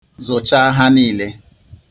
Zụchaa ha niile.